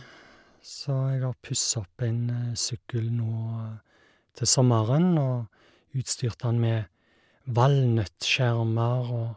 Så jeg har pussa opp en sykkel nå til sommeren, og utstyrt han med valnøtt-skjermer, og...